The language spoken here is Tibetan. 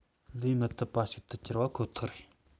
ལས མི ཐུབ པ ཞིག ཏུ གྱུར པ ཁོ ཐག རེད